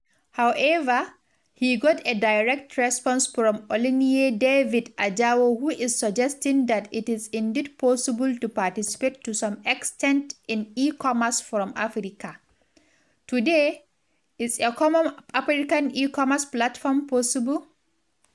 However, he got a direct response from Oluniyi David Ajao who is suggesting that it is indeed possible to participate to some extent in e-commerce from Africa, today: Is a common African e-commerce platform possible?